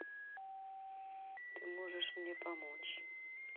ты можешь мне помочь